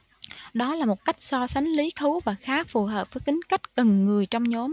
đó là một cách so sánh lý thú và khá phù hợp với tính cách từng người trong nhóm